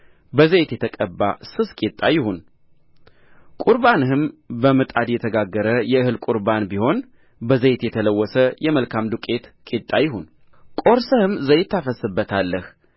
በዘይት የተቀባ ስስ ቂጣ ይሁንቍርባንህም በምጣድ የተጋገረ የእህል ቍርባን ቢሆን በዘይት የተለወሰ የመልካም ዱቄት ቂጣ ይሁንቈርሰህም ዘይት ታፈስስበታለህ